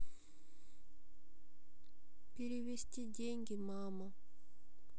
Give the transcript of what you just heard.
перевести деньги мама